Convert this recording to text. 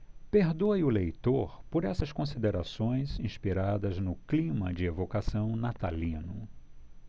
perdoe o leitor por essas considerações inspiradas no clima de evocação natalino